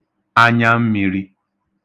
anyammīrī